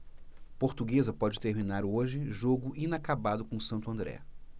portuguesa pode terminar hoje jogo inacabado com o santo andré